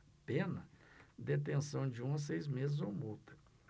pena detenção de um a seis meses ou multa